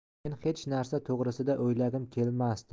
men hech narsa to'g'risida o'ylagim kelmasdi